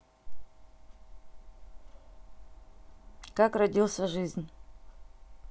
как родился жизнь